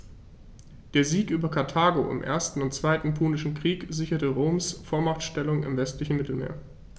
Der Sieg über Karthago im 1. und 2. Punischen Krieg sicherte Roms Vormachtstellung im westlichen Mittelmeer.